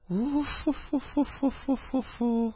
– уф-фу-фу-фу-фу